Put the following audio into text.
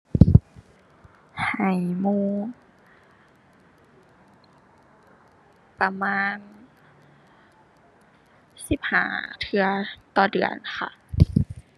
ให้หมู่ ประมาณ สิบห้าเทื่อต่อเดือนค่ะ